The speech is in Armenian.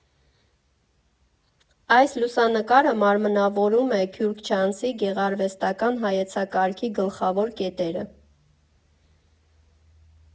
Այս լուսանկարը մարմնավորում է Քյուրքչյանցի գեղարվեստական հայեցակարգի գլխավոր կետերը։